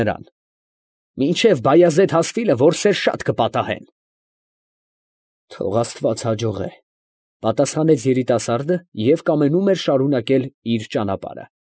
Նրան, ֊ մինչև Բայազեդ հասնիլը որսեր շատ կպատահեն… ֊ Թո՛ղ աստված հաջողե… ֊ պատասխանեց երիտասարդը և կամենում էր շարունակել իր ճանապարհը։